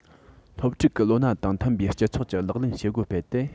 སློབ ཕྲུག གི ལོ ན དང མཐུན པའི སྤྱི ཚོགས ཀྱི ལག ལེན བྱེད སྒོ སྤེལ ཏེ